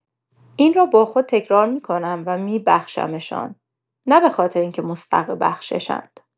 این را با خود تکرار می‌کنم و می بخشمشان، نه به‌خاطر اینکه مستحق بخششند!